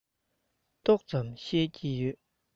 ཏོག ཙམ ཤེས ཀྱི ཡོད